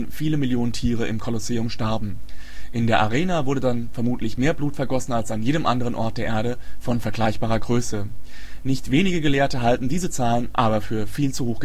viele Millionen Tiere im Kolosseum starben. In der Arena wurde dann vermutlich mehr Blut vergossen, als an jedem anderen Ort der Erde von vergleichbarer Größe. Nicht wenige Gelehrte halten diese Zahlen aber für viel zu